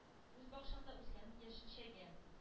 “үз бакчаңда үскән яшелчәгә